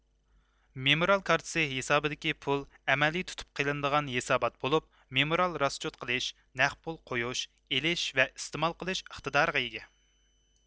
مېمورال كارتىسى ھېسابىدىكى پۇل ئەمەلىي تۇتۇپ قېلىنىدىغان ھېسابات بولۇپ مېمورال راسچوت قىلىش نەق پۇل قويۇش ئېلىش ۋە ئىستېمال قىلىش ئىقتىدارىغا ئىگە